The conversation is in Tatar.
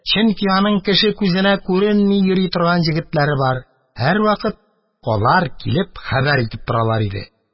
Чөнки аның кеше күзенә күренми йөри торган егетләре бар, һәрвакыт алар килеп хәбәр итеп торалар иде.